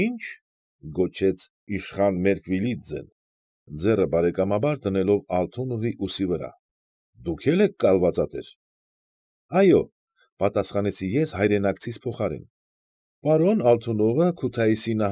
Ի՞նչ,֊ գոչեց իշխան Մերկվելիձեն, ձեռը բարեկամաբար դնելով Ալթունովի ուսի վրա,֊ դուք էլ ե՞ք կալվածատեր։ ֊ Այո՛,֊ պատասխանեցի ես հայրենակցիս փոխարեն,֊ պարոն Ալթունովը Քութայիսի։